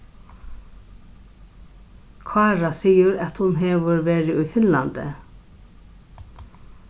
kára sigur at hon hevur verið í finnlandi